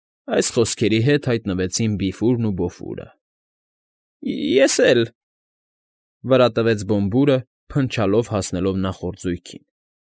Այս խոսքերի հետ հայտնվեցին Բիֆուրն ու Բոֆուրը։ ֊ Ես էլ,֊ վրա տվեց Բոմբուրը, փնչացնելով հասնելով նախորդ զույգին։